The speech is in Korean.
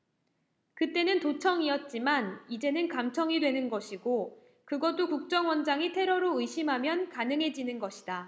그 때는 도청이었지만 이제는 감청이 되는 것이고 그것도 국정원장이 테러로 의심하면 가능해지는 것이다